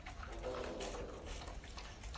faqat umri qisqa